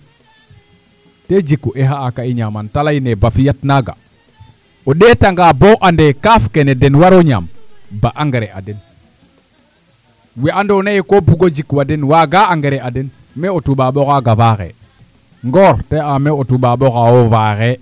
te jiku ee xa'aa kaa i ñaaman ta layin ee ba fiyat naaga o ɗeetanga bo ande kaaf kene den waro ñaam ba engrais a den we andoona yee koy koo bug o jikwaa den waagaa engrais a den me o toubab a xaaga faaxee Ngor te a me o toubab oxaa wo' faaxee